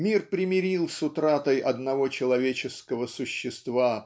Мир примирил с утратой одного человеческого существа